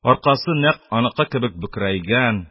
Аркасы нәкъ аныкы кебек бөкрәйгән,